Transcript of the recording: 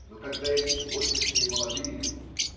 Но когда эти сегодняшние молодые люди.